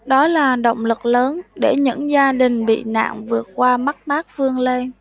đó là động lực lớn để những gia đình bị nạn vượt qua mất mát vươn lên